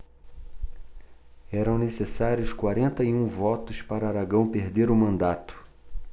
eram necessários quarenta e um votos para aragão perder o mandato